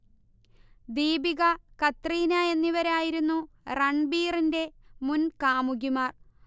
ദീപിക, കത്രീന എന്നിവരായിരുന്നു റൺബീറിന്റെ മുൻ കാമുകിമാർ